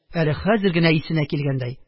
Әле хәзер генә исенә килгәндәй.